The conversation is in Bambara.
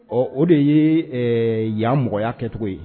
Ɔ o de ye yanmɔgɔya kɛcogo ye